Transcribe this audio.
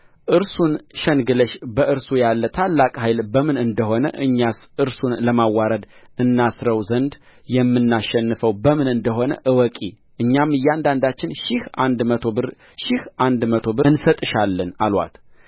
እርሱን ሸንግለሽ በእርሱ ያለ ታላቅ ኃይል በምን እንደ ሆነ እኛስ እርሱን ለማዋረድ እናስረው ዘንድ የምናሸንፈው በምን እንደ ሆነ እወቂ እኛም እያንዳንዳችን ሺህ አንድ መቶ ብር ሺህ አንድ መቶ ብር እንሰጥሻለን አሉአት